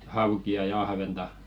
haukia ja ahventa